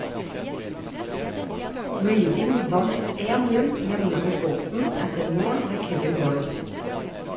Reading vant 1-0 hjemme mot Bolton etter mål ved Kevin Doyle.